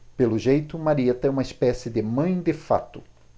pelo jeito marieta é uma espécie de mãe de fato